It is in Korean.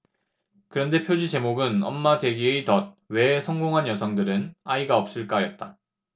그런데 표지 제목은 엄마 되기의 덫 왜 성공한 여성들은 아이가 없을까였다